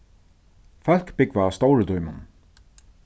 fólk búgva á stóru dímun